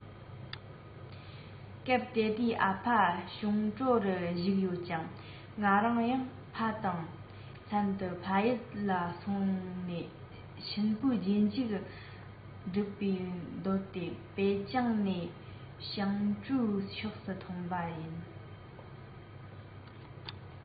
སྐབས དེ དུས ཨ ཕ ཞུད ཀྲོའུ རུ བཞུགས ཡོད ཅིང ང རང ཡང ཕ དང ལྷན དུ ཕ ཡུལ ལ སོང ནས གཤིན པོའི རྗེས འཇུག སྒྲུབ པར འདོད པས པེ ཅིང ནས ཞུད ཀྲོའུ ཕྱོགས སུ ཐོན པ ཡིན